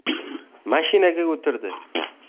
mashinaga o'tirdi